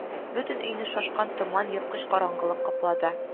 Бөтен өйне шашкан томан, ерткыч караңгылык каплады